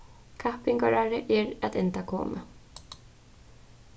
kappingarárið er at enda komið